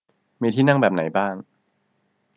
มีที่นั่งแบบไหนบ้าง